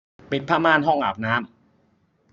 ปิดผ้าม่านห้องอาบน้ำ